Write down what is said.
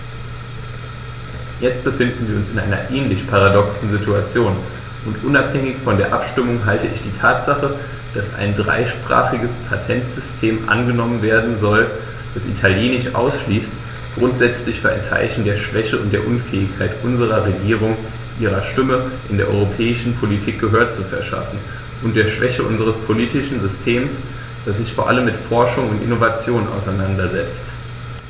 Jetzt befinden wir uns in einer ähnlich paradoxen Situation, und unabhängig von der Abstimmung halte ich die Tatsache, dass ein dreisprachiges Patentsystem angenommen werden soll, das Italienisch ausschließt, grundsätzlich für ein Zeichen der Schwäche und der Unfähigkeit unserer Regierung, ihrer Stimme in der europäischen Politik Gehör zu verschaffen, und der Schwäche unseres politischen Systems, das sich vor allem mit Forschung und Innovation auseinandersetzt.